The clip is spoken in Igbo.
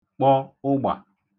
kpọ ụgbà